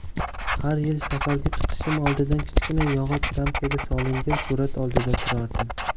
har yil safarga chiqishim oldidan kichkina yog'och ramkaga solingan surat oldida turardim